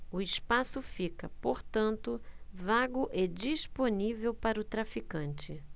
o espaço fica portanto vago e disponível para o traficante